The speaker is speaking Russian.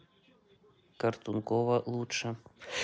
картункова лучшее